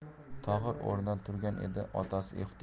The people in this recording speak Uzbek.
tohir o'rnidan turgan edi otasi